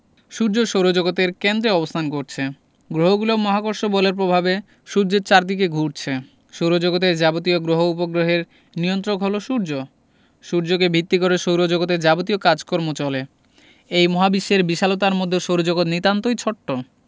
সূর্য সৌরজগতের কেন্দ্রে অবস্থান করছে গ্রহগুলো মহাকর্ষ বলের প্রভাবে সূর্যের চারদিকে ঘুরছে সৌরজগতের যাবতীয় গ্রহ উপগ্রহের নিয়ন্ত্রক হলো সূর্য সূর্যকে ভিত্তি করে সৌরজগতের যাবতীয় কাজকর্ম চলে এই মহাবিশ্বের বিশালতার মধ্যে সৌরজগৎ নিতান্তই ছোট্ট